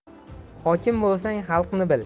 hokim bo'lsang xalqni bil